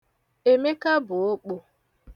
Emeka bụ okpo.